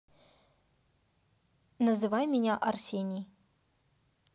называй меня арсений